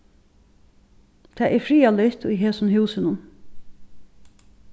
tað er friðarligt í hesum húsinum